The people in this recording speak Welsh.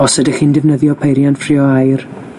Os ydych chi'n defnyddio peiriant ffrio aer